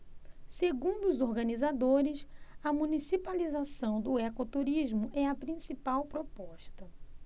segundo os organizadores a municipalização do ecoturismo é a principal proposta